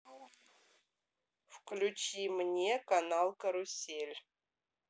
включи мне канал карусель